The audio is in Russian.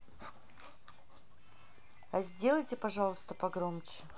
а сделайте пожалуйста погромче